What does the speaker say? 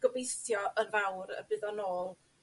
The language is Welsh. gobeithio yn fawr y bydd o nôl